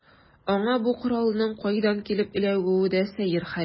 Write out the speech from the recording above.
Аңа бу коралның кайдан килеп эләгүе дә сәер хәл.